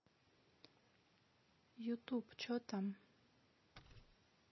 ютуб че там